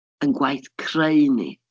Ein gwaith creu ni.